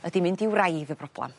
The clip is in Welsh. ydi mynd i wraidd y broblam